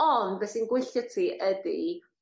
ond be' sy'n gwylltio ti ydi